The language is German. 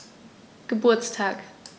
Geburtstag